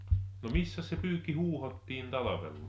no missä se pyykki huuhdottiin talvella